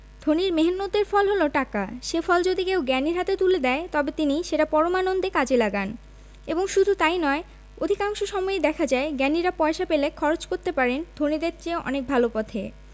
ধনীর মেহন্নতের ফল হল টাকা সে ফল যদি কেউ জ্ঞানীর হাতে তুলে দেয় তবে তিনি সেটা পরমানন্দে কাজে লাগান এবং শুধু তাই নয় অধিকাংশ সময়েই দেখা যায় জ্ঞানীরা পয়সা পেলে খরচ করতে পারেন ধনীদের চেয়ে অনেক ভালো পথে